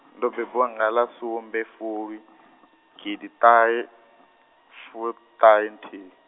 ndo bebiwa ngala sumbe fulwi, gidiṱahefuṱ- -ṱahenthihi.